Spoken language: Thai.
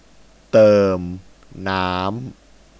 เติมน้ำ